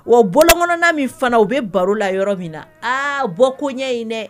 Wa bɔlon kɔnɔnan min fana u bɛ baaro la yɔrɔ min na aa bɔ ko ɲɛ in dɛ.